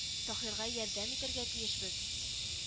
— таһирга ярдәм итәргә тиешбез